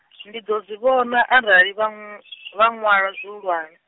ndi ḓo zwi vhona arali vha nw- , vha ṅwala zwihulwane.